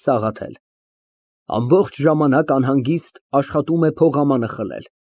ՍԱՂԱԹԵԼ ֊ (Ամբողջ ժամանակ անհագիստ աշխատում է փողամանը խլել)